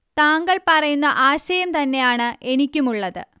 താങ്ങൾ പറയുന്ന ആശയം തന്നെയാണ് എനിക്കും ഉള്ളത്